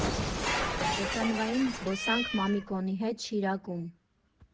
Հեծանվային զբոսանք Մամիկոնի հետ Շիրակում։